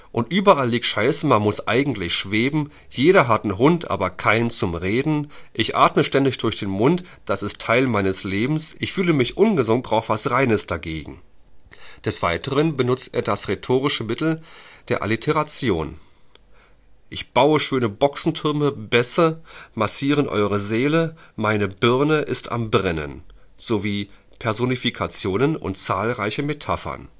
Und überall liegt Scheiße, man muss eigentlich schweben Jeder hat 'n Hund aber keinen zum Reden Ich atme ständig durch den Mund, das ist Teil meines Lebens Ich fühl mich ungesund, brauch was Reines dagegen “Des weiteren benutzt er das rhetorische Mittel der Alliteration („ Ich baue schöne Boxentürme, Bässe massieren eure Seele “,„ Meine Birne is ' am brennen “) sowie Personifikationen und zahlreiche Metaphern